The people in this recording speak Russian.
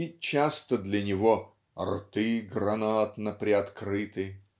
и часто для него "рты гранатно приоткрыты".